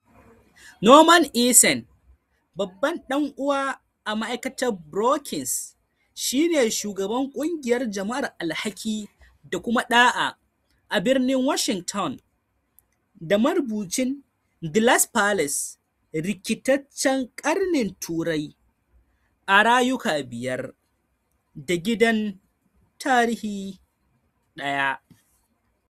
Norman Eisen, babban dan’uwa a ma’aikatar Brookings, shi ne shugaban kungiyar Jama'ar Alhaki da kuma da’a, a Birnin Washington da marubucin "The Last Palace: Rikitaccen karnin Turai a rayuka biyar da gidan tarihi daya.”